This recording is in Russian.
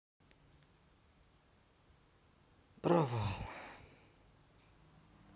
провал